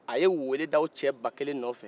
a ye weele da o cɛ ba kelen nɔ fɛ